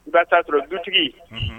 N ka taatura du